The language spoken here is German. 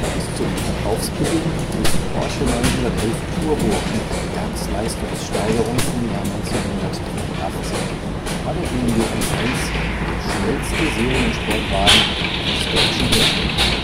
Bis zum Verkaufsbeginn des Porsche 911 turbo mit Werksleistungssteigerung im Jahr 1983 war der BMW M1 der schnellste Seriensportwagen eines deutschen Herstellers